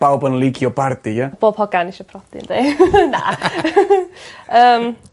pawb yn licio parti ia? Bob hogan isio prodi ynde? Na. Yym.